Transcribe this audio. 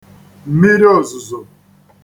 m̀miriòzùzò